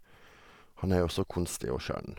Han er jo så konsti og skjønn.